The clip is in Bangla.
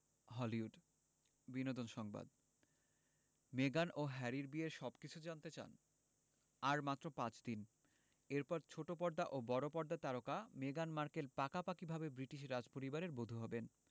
হলিউড বিনোদন সংবাদ মেগান ও হ্যারির বিয়ের সবকিছু জানতে চান আর মাত্র পাঁচ দিন এরপর ছোট পর্দা ও বড় পর্দার তারকা মেগান মার্কেল পাকাপাকিভাবে ব্রিটিশ রাজপরিবারের বধূ হবেন